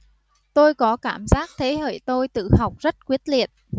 tôi có cảm giác thế hệ tôi tự học rất quyết liệt